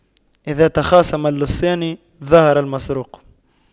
إذا تخاصم اللصان ظهر المسروق